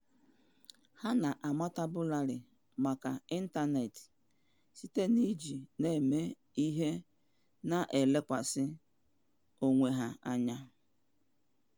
- Ha na-amatabularị maka ịntanetị, site n’iji na-eme ihe na-elekwasị onwe ha anya.